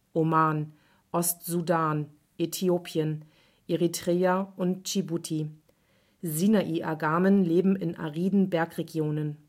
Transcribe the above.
Oman, Ost-Sudan, Äthiopien, Eritrea und Dschibuti vor. Sinai-Agamen leben in ariden Bergregionen